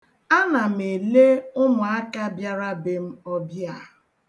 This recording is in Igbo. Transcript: Ana m ele ụmụaka biara be m ọbịa.